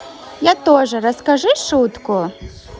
я тоже расскажи шутку